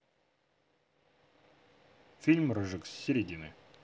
фильм рыжик с середины